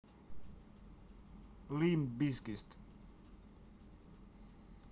лимб бизкит